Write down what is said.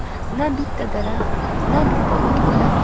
na bitta daraxt na bitta o't o'lan